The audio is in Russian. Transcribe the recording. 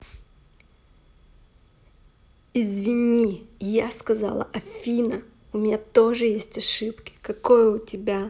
извини я сказала афина у меня тоже есть ошибки какое у тебя